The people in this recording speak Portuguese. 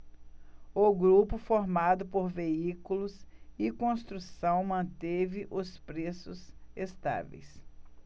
o grupo formado por veículos e construção manteve os preços estáveis